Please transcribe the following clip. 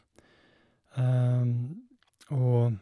Og...